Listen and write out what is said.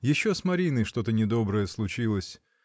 Еще с Мариной что-то недоброе случилось.